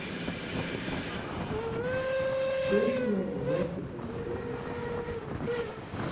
песня одинокий пастух